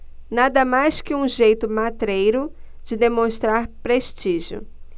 nada mais que um jeito matreiro de demonstrar prestígio